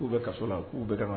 Uu bɛ ka so la k'u bɛɛ ka